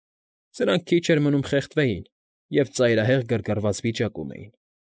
Սրանք քիչ էր մնում խեղդվեին և ծայրահեղ գրգռված վիճակում էին։